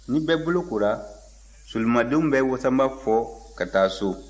ni bɛɛ bolokora solimadenw bɛ wasanba fɔ ka taa so